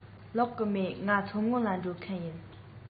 ལོག གི མིན ང མཚོ སྔོན ལ འགྲོ མཁན ཡིན